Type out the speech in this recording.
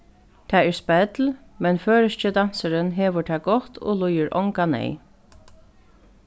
tað er spell men føroyski dansurin hevur tað gott og líðir onga neyð